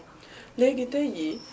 léegi tey jii